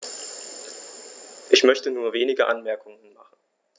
Ich möchte nur wenige Anmerkungen machen.